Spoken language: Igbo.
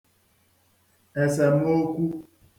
èsèmokwū